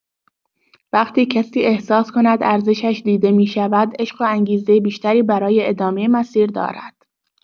وقتی کسی احساس کند ارزشش دیده می‌شود، عشق و انگیزه بیشتری برای ادامه مسیر دارد.